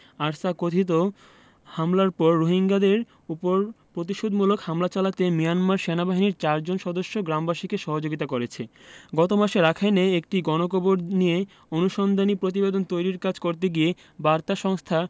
ARSA কথিত হামলার পর রোহিঙ্গাদের ওপর প্রতিশোধমূলক হামলা চালাতে মিয়ানমার সেনাবাহিনীর চারজন সদস্য গ্রামবাসীকে সহযোগিতা করেছে গত মাসে রাখাইনে একটি গণকবর নিয়ে অনুসন্ধানী প্রতিবেদন তৈরির কাজ করতে গিয়ে বার্তা সংস্থা